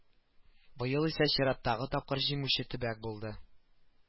Быел исә чираттагы тапкыр җиңүче төбәк булды